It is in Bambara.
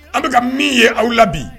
An bi ka a min ye aw la bi